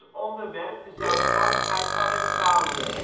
onderwerp de zelfstandigheid van Renswoude